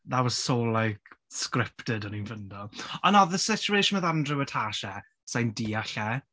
That was so like scripted o'n i'n ffeindio. Ond oedd y situation with Andrew a Tasha sai'n deall e.